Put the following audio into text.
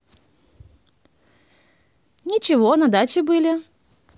ничего на даче были